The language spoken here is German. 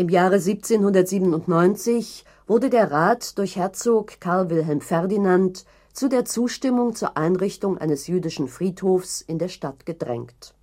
Jahre 1797 wurde der Rat durch Herzog Karl Wilhelm Ferdinand zu der Zustimmung zur Einrichtung eines jüdischen Friedhofs in der Stadt gedrängt